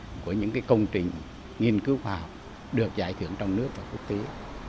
của những cái công trình nghiên cứu khoa học được giải thưởng trong nước và quốc tế